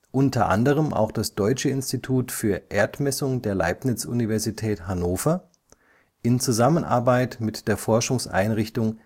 unter anderem auch das deutsche Institut für Erdmessung der Leibniz Universität Hannover in Zusammenarbeit mit der Forschungseinrichtung